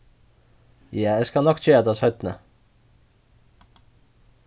ja eg skal nokk gera tað seinni